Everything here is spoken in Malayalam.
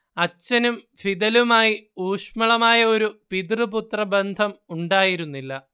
അച്ഛനും ഫിദലുമായി ഊഷ്മളമായ ഒരു പിതൃ പുത്രബന്ധം ഉണ്ടായിരുന്നില്ല